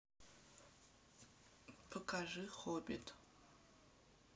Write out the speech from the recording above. покажи хоббит